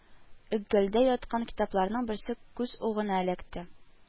Оггэлдә яткан китапларның берсе күз угына эләкте